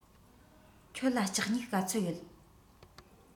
ཁྱོད ལ ལྕགས སྨྱུག ག ཚོད ཡོད